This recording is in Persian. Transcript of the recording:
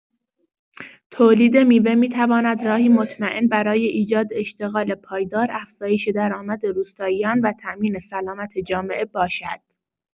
تولید میوه می‌تواند راهی مطمئن برای ایجاد اشتغال پایدار، افزایش درآمد روستاییان و تأمین سلامت جامعه باشد.